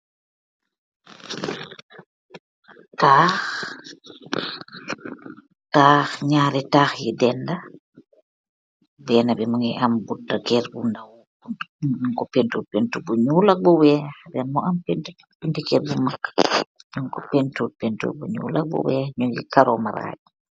Taakh, taakh, njarri taakh yu dehhndah, benah bi mungy amm bunta keur bu ndaw, bunti keur bi nung kor peintur, peintur bu njul ak bu wekh, then mu am bunti keur bu mak njung kor peintur, peintur bu njul ak bu wekh, nju ngi kaaroh marajj.